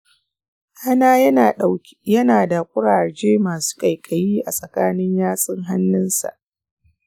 ɗana yana da ƙuraje masu ƙaiƙayi a tsakanin yatsun hannunsa.